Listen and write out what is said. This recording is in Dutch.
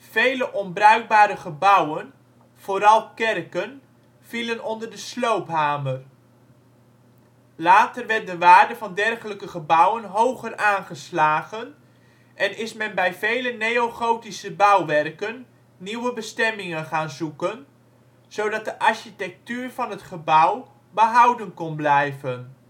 Vele onbruikbare gebouwen - vooral kerken - vielen onder de sloophamer. Later werd de waarde van dergelijke gebouwen hoger aangeslagen en is men bij vele neogotische bouwwerken nieuwe bestemmingen gaan zoeken, zodat de architectuur van het gebouw behouden kon blijven